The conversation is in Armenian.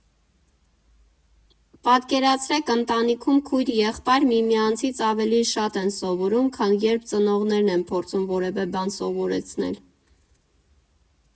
Պատկերացրեք՝ ընտանիքում քույր֊եղբայր միմյանցից ավելի շատ են սովորում, քան երբ ծնողներն են փորձում որևէ բան սովորեցնել։